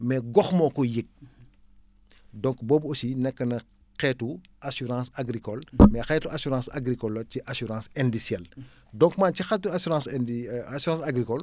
mais gox moo koy yëg donc boobu aussi nekk na xeetu assurance agricole mais xeetu assurance agricole la ci assurance indicelle donc mooy ci xeetu assurance indi assurance agricole